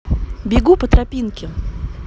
бегу по тропинке